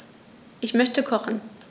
Ich möchte kochen.